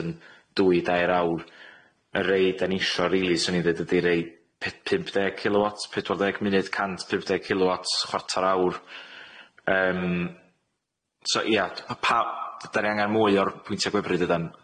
yn dwy dair awr y rei da ni isio rili swn i'n ddeud ydi rei pe- pump deg kilowat pedwar deg munud cant pump deg kilowat chwarter awr yym so ia d- pa- pa- da ni angan mwy o'r pwyntia' gwefru dydan